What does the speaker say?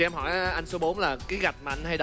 cho em hỏi anh số bốn là cái gạch anh hay